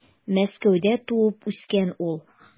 Мәскәүдә туып үскән ул.